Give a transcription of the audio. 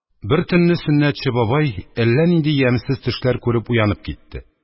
Бер төнне Сөннәтче бабай әллә нинди ямьсез төшләр күреп уянып китте.